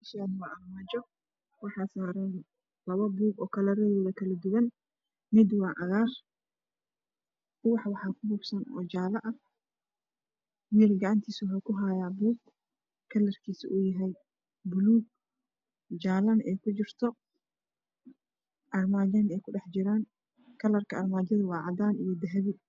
Meshaan waa armaajo waxaa saaran lapa puug oo kalaradooda kala duwan mid waa cagaar upax waxaa ku puufsan oo jaalo ah n8nka gacta waxa uu ku hayaa puug uu kalarkiisa yahy puluug iyo jaalana ey ku jirto aramaajo ey ku dhax jiraan kalarka armaajada waa dahapi